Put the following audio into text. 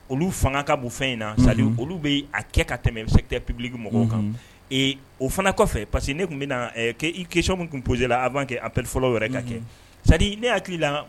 Olu fanga ka bon fɛn in na sa olu bɛ a kɛ ka tɛmɛ i bɛ se tɛ pepibiki mɔgɔw kan o fana kɔfɛ parce que ne tun bɛ kesɔ min tun polie la a b'a kɛ a pp fɔlɔ yɛrɛ ka kɛ sa ne hakili la